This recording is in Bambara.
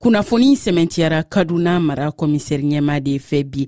kunnafoni in sɛmɛntiyara kaduna mara commissaire ɲɛmaa de fɛ bi